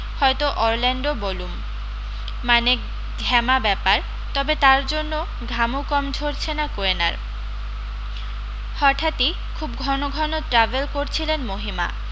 হয়তো অরল্যাণ্ডও বলুম মানে ঘ্যামা ব্যাপার তবে তার জন্য ঘামও কম ঝরছে না কোয়েনার হঠাতি খুব ঘন ঘন ট্রাভেল করছিলেন মহিমা